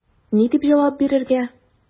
Ни дип җавап бирергә?